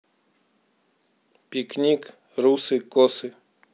пикник русы косы